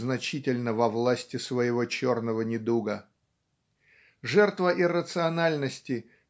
значительно во власти своего черного недуга. Жертва иррациональности